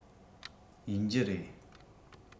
ཡིན རྒྱུ རེད